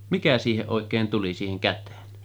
Mikä siihen oikein tuli siihen käteen